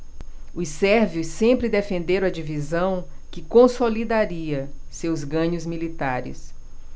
os sérvios sempre defenderam a divisão que consolidaria seus ganhos militares